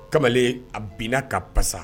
Kamalen a binna ka pasa